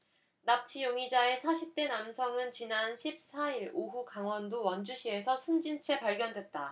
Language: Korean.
납치 용의자인 사십 대 남성은 지난 십 사 일 오후 강원도 원주시에서 숨진채 발견됐다